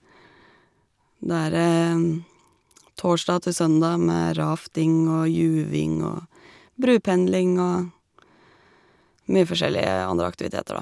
Da er det torsdag til søndag med rafting og juving og brupendling og mye forskjellige andre aktiviteter, da.